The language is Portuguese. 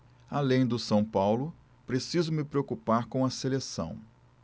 além do são paulo preciso me preocupar com a seleção